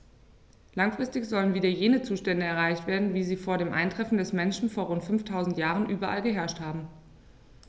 Langfristig sollen wieder jene Zustände erreicht werden, wie sie vor dem Eintreffen des Menschen vor rund 5000 Jahren überall geherrscht haben.